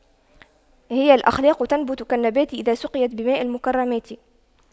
هي الأخلاق تنبت كالنبات إذا سقيت بماء المكرمات